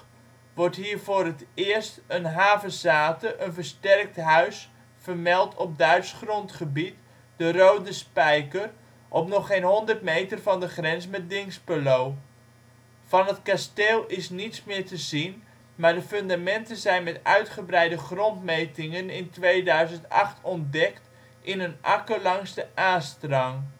wordt hier voor het eerst een havezathe (een versterkt huis) vermeld op Duits grondgebied, de Rode Spijker, op nog geen honderd meter van de grens met Dinxperlo. Van het kasteel is niets meer te zien, maar de fundamenten zijn met uitgebreide grondmetingen in 2008 ontdekt in een akker langs de Aa-strang